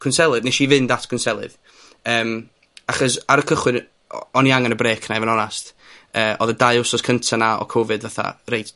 cwnselydd, nesh i fynd at gwnselydd, yym achos ar y cychwyn o- o'n i angen y brêc 'na i fo' yn onast, yy odd y dau wsnos cynta 'na o Covid fatha, reit,